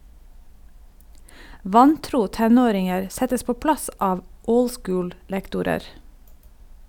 Vantro tenåringer settes på plass av old school- lektorer.